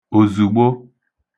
òzùgbo